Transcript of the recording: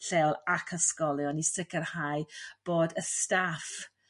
lleol ac ysgolion i sicrhau bod y staff